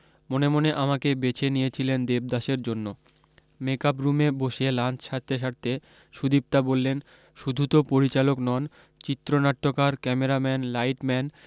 মনে মনে আমাকে বেছে নিয়েছিলেন দেবদাসের জন্য মেক আপ রুমে বসে লাঞ্চ সারতে সারতে সুদীপতা বললেন শুধু তো পরিচালক নন চিত্রনাট্যকার ক্যামেরাম্যান লাইটম্যান